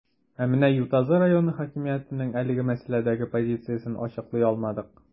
Ә менә Ютазы районы хакимиятенең әлеге мәсьәләдәге позициясен ачыклый алмадык.